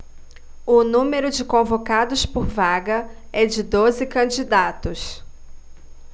o número de convocados por vaga é de doze candidatos